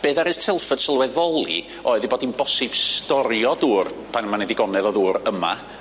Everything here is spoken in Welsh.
Be' ddaru Telford sylweddoli oedd ei bod 'i'n bosib storio dŵr pan ma' 'na digonedd o ddŵr yma.